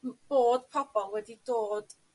m- bod pobol wedi dod